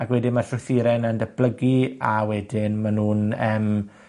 ag wedyn ma'r strwythure yna'n datblygu, a wedyn ma' nw'n yym,